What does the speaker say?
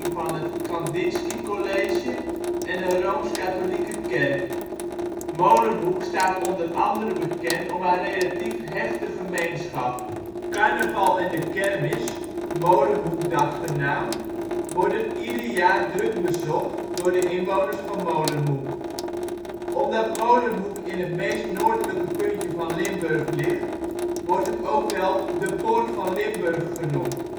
van het Kandinsky College en een Rooms-Katholieke kerk. Molenhoek staat onder andere bekend om haar relatief hechte gemeenschap. Carnaval en de kermis (' Molenhoekdag ' genaamd) worden ieder jaar drukbezocht door de inwoners van Molenhoek. Omdat Molenhoek in het meest noordelijk puntje van Limburg ligt wordt het ook wel De poort van Limburg genoemd